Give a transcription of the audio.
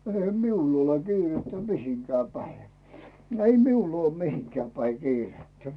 eihän minulla ole kiirettä mihinkään päin ei minulla ole mihinkään päin kiirettä